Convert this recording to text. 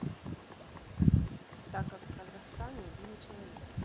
так как в казахстане убили человека